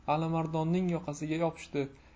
alimardonning yoqasiga yopishdi